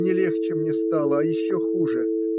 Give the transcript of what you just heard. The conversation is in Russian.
Не легче мне стало, а еще хуже.